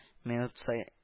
Минут сай